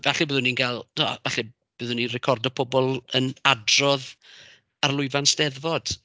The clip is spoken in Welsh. Falle byddwn ni'n cael, timod falle byddwn ni'n recordo pobl yn adrodd ar lwyfan 'Steddfod.